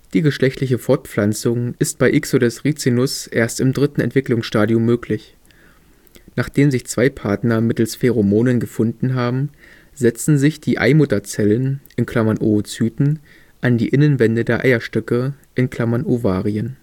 Die geschlechtliche Fortpflanzung ist bei Ixodes ricinus erst im dritten Entwicklungsstadium möglich. Nachdem sich zwei Partner mittels Pheromonen gefunden haben, setzen sich die Eimutterzellen (Oocyten) an die Innenwände der Eierstöcke (Ovarien